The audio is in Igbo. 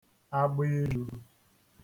agbiilū